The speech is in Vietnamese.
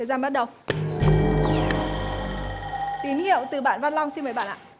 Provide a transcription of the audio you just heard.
gian bắt đầu tín hiệu từ bạn văn long xin mời bạn ạ